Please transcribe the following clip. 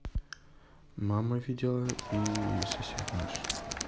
мама видела и сосед наш